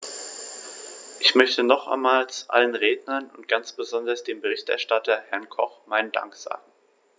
Ich möchte nochmals allen Rednern und ganz besonders dem Berichterstatter, Herrn Koch, meinen Dank sagen.